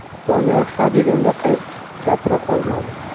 doniyor hadeganda gapira qolmadi